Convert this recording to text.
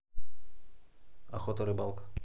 охота рыбалка